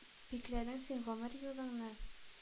Бикләдең син гомер юлыңны,